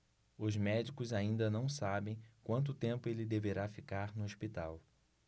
os médicos ainda não sabem quanto tempo ele deverá ficar no hospital